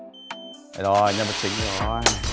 rồi nhân vật chính đây rồi